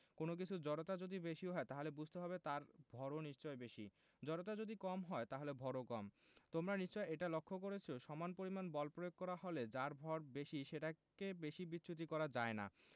কোনো কিছুর জড়তা যদি বেশি হয় তাহলে বুঝতে হবে তার ভরও নিশ্চয়ই বেশি জড়তা যদি কম হয় তাহলে ভরও কম তোমরা নিশ্চয়ই এটা লক্ষ করেছ সমান পরিমাণ বল প্রয়োগ করা হলে যার ভর বেশি সেটাকে বেশি বিচ্যুত করা যায় না